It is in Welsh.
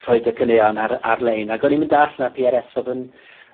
rhoid y caneuon ar ar-lein. Ag o'n i'm y dall' ma' Pee Are Ess odd yn